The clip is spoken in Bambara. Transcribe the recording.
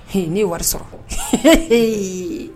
Ni wari sɔrɔ ko ee